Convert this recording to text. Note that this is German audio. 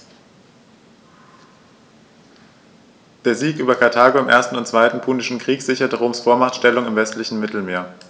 Der Sieg über Karthago im 1. und 2. Punischen Krieg sicherte Roms Vormachtstellung im westlichen Mittelmeer.